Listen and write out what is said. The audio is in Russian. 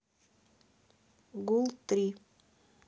гул три